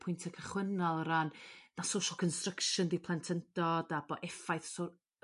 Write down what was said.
pwynta cychwynnol o ran 'da social construction 'di plantyndod a bo' effaith so-